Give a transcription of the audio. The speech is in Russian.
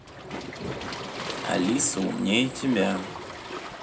алиса умнее тебя